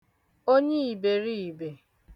onye ìbèriìbè